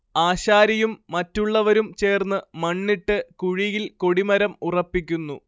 ആശാരിയും മറ്റുള്ളവരും ചേർന്ന് മണ്ണിട്ട് കുഴിയിൽ കൊടിമരം ഉറപ്പിക്കുന്നു